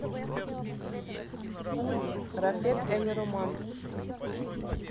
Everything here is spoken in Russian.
rafet el roman